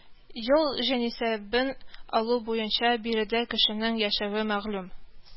Ел җанисәбен алу буенча биредә кешенең яшәве мәгълүм